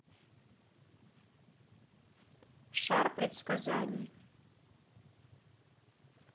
шар предсказаний